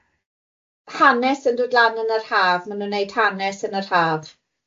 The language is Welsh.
Hanes yn dod lan yn yr haf mae'n nhw'n wneud hanes yn yr haf.